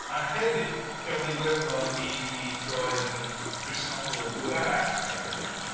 A hefyd gafodd Iwerddon ei... ei throi yn Gristnogol yn ddiweddarach 'na'r Cymry 'de.